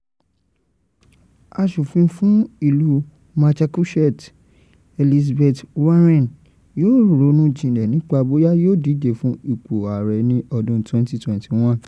Aṣòfin fún ìlú Massachusetts Elizabeth Warren yóò ronú jinlẹ̀ nípa bóyá yóò díje fún ipò ààrẹ ní ọdún 2021